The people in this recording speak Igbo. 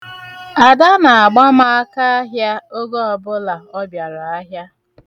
Ada na-agba m akaahịa oge ọbụla ọ bịara ahịa.